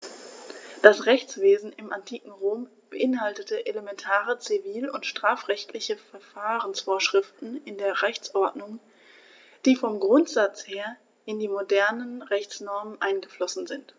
Das Rechtswesen im antiken Rom beinhaltete elementare zivil- und strafrechtliche Verfahrensvorschriften in der Rechtsordnung, die vom Grundsatz her in die modernen Rechtsnormen eingeflossen sind.